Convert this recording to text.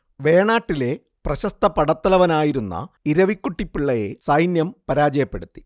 വേണാട്ടിലെ പ്രശസ്ത പടത്തലവനായിരുന്ന ഇരവിക്കുട്ടിപ്പിള്ളയെ സൈന്യം പരാജയപ്പെടുത്തി